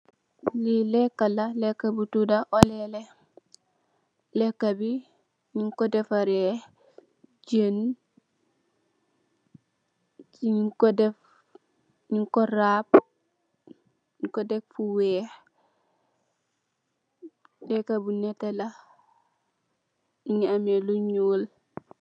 Lee leka la leka bu tuda olele leka be nugku defare jeen nugku def nugku rabe nugku def fu weex leka bu neteh la muge ameh lu nuul.